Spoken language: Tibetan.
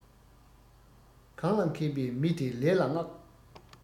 གང ལ མཁས པའི མི དེ ལས ལ མངགས